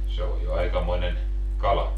se on jo aikamoinen kala